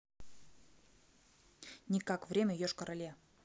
никак время йошкар оле